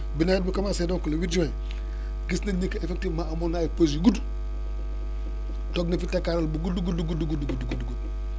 bi nawet bi commencé donc le huit juin gis nañ ni que effectivement amoon na ay pauses yu gudd toog na fi tekkaaral bu gudd gudd gudd gudd